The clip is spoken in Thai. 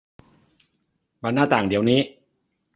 เปิดหน้าต่างเดี๋ยวนี้